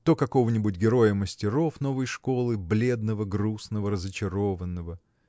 то какого-нибудь героя мастеров новой школы – бледного грустного разочарованного.